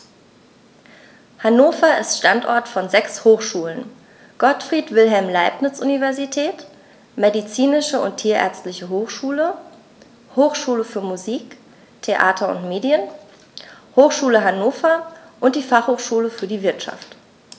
Hannover ist Standort von sechs Hochschulen: Gottfried Wilhelm Leibniz Universität, Medizinische und Tierärztliche Hochschule, Hochschule für Musik, Theater und Medien, Hochschule Hannover und die Fachhochschule für die Wirtschaft.